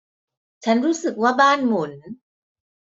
ฉันรู้สึกว่าบ้านหมุน